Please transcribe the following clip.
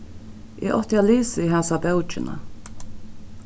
eg átti at lisið hasa bókina